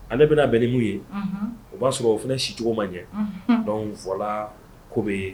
Ale bɛna bɛn nimu ye o b'a sɔrɔ o fana sicogo man ɲɛ dɔnfɔla ko bɛ yen